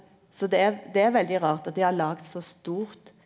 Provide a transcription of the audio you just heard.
så det er det er veldig rart at dei har laga så stort.